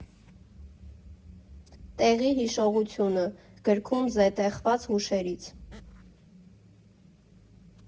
Տեղի հիշողությունը» գրքում զետեղված հուշերից։